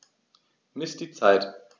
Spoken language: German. Miss die Zeit.